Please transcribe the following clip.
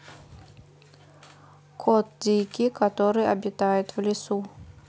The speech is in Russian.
кот дикий который обитает в лесу